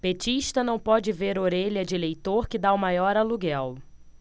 petista não pode ver orelha de eleitor que tá o maior aluguel